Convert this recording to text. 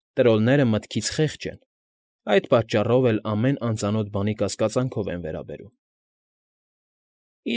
Տրոլները մտքից խեղճ են, այդ պատճառով էլ ամեն անծանոթ բանի կասկածանքով են վերաբերվում։ ֊